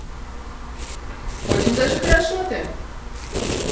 очень даже хорошо ты